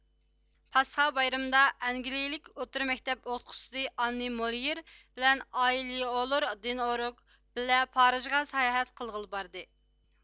پاسخا بايرىمىدا ئەنگلىيىلىك ئوتتۇرا مەكتەپ ئوقۇتقۇچىسى ئاننى مولېيېر بىلەن ئايلېئولور دېنوئورگ بىللە پارىژغا ساياھەت قىلغىلى باردى